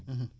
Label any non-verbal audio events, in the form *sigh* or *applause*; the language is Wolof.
*hesitation* *hesitation*